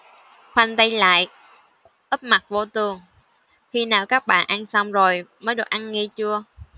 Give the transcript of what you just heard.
khoanh tay lại úp mặt vô tường khi nào các bạn ăn xong rồi mới được ăn nghe chưa